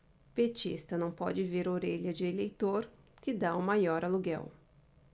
petista não pode ver orelha de eleitor que tá o maior aluguel